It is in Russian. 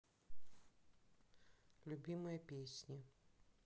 любимая песня